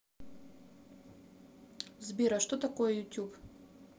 сбер а что такое youtube